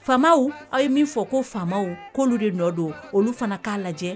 Faamaw aw ye min fɔ ko faamaw k'olu de nɔ do olu fana k'a lajɛ.